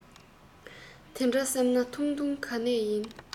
དེ འདྲ བསམས ན ཐུང ཐུང ག ནས ཡིན